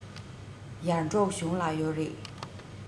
ཡར འབྲོག གཞུང ལ ཡོག རེད